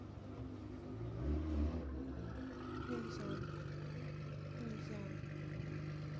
нельзя нельзя